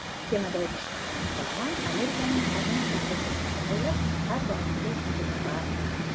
kemaday pishqirgan olomon amerikaning azim shahri ko'chalari bo'ylab har doimgiday suzib borar